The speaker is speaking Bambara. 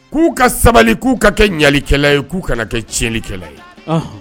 K'u ka sabali k'u ka kɛ ɲalikɛlala ye k'u kana kɛ tiɲɛɲɛnlikɛlala ye